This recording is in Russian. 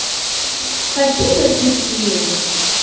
какие напитки есть